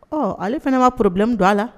Ɔ ale fana ma porobimi don a la